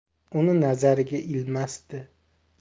uni nazariga ilmasdi